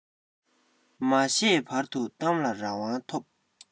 མ བཤད བར དུ གཏམ ལ རང དབང ཐོབ